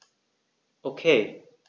Okay.